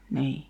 niin